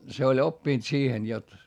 se oli oppinut siihen jotta